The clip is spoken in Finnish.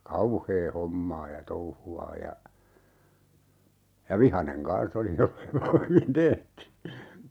kauhea hommaamaan ja touhuamaan ja ja vihainen kanssa oli jos ei vain hyvin tehty